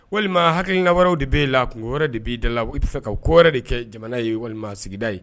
Walima hakɛina wɛrɛraw de bɛe la kungo wɛrɛ de b'i da la o bɛ fɛ ka koɔrɔri de kɛ jamana ye walima sigida ye